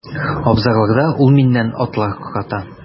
Абзарларда ул миннән атлар карата.